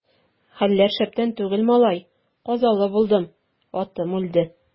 Хәлләр шәптән түгел, малай, казалы булдым, атым үлде.